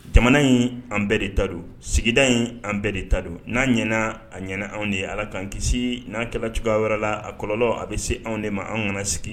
Jamana in an bɛɛ de ta don sigida in an bɛɛ de ta don n'an ɲ a ɲ anw de ye ala k'an kisi n'an kɛlɛ cogoya wɛrɛ la a kɔlɔlɔ a bɛ se anw de ma an kana sigi